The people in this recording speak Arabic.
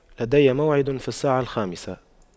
لدي موعد في الساعة الخامسة